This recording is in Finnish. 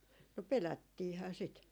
no pelättiinhän sitä